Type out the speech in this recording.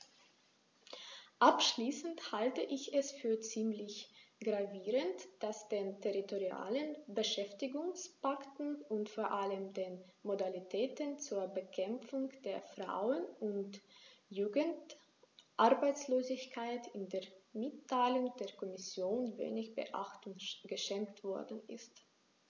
Abschließend halte ich es für ziemlich gravierend, dass den territorialen Beschäftigungspakten und vor allem den Modalitäten zur Bekämpfung der Frauen- und Jugendarbeitslosigkeit in der Mitteilung der Kommission wenig Beachtung geschenkt worden ist.